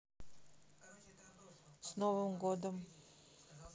с новым годом